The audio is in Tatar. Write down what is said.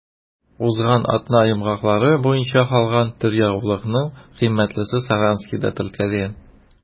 Узган атна йомгаклары буенча калган төр ягулыкның кыйммәтлесе Саранскида теркәлгән.